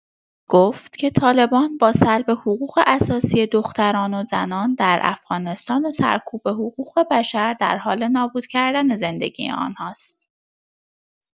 گفت که طالبان با سلب حقوق اساسی دختران و زنان در افغانستان و سرکوب حقوق‌بشر، در حال نابود کردن زندگی آنهاست.